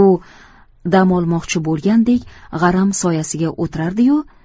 u dam olmoqchi bo'lgandek g'aram soyasiga o'tirardi yu